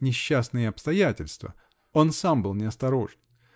несчастные обстоятельства, он сам был неосторожен.